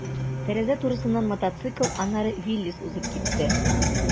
Тәрәзә турысыннан мотоцикл, аннары «Виллис» узып китте.